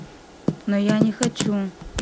но я не хочу